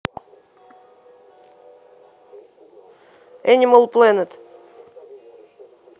энимал плэнет